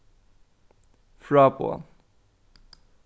fráboðan